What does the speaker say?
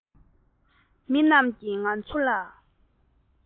མི རྣམས ཀྱིས ང ཚོ ལ